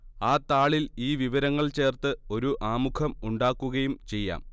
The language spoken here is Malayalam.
ആ താളിൽ ഈ വിവരങ്ങൾ ചേർത്ത് ഒരു ആമുഖം ഉണ്ടാക്കുകയും ചെയ്യാം